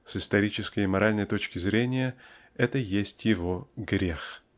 с исторической и моральной точки зрения это есть его грех.